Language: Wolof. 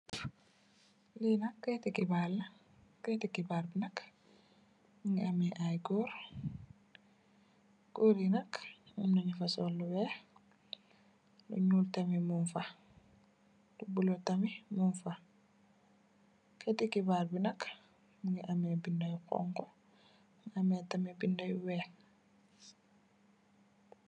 Liinak kaiiti xibarr la kaiiti xibarr bi nak mungi ameh ayy gorr gorryi nak amna nyufa sol lu wekh lu nyul tamit mungfa lu bula tamit mungfa kaiiti xibarr bi nak mungi ameh binda yu xonxu ameh tamit binda yu wekh.